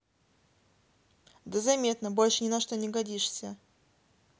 да заметно больше ни на что не годишься